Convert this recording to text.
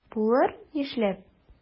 Булыр, нишләп?